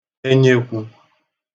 enyekwū